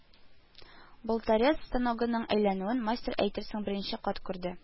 Болторез станогының әйләнүен мастер әйтерсең беренче кат күрде